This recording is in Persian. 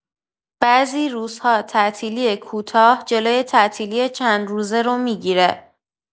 بعضی روزها تعطیلی کوتاه جلوی تعطیلی چندروزه رو می‌گیره.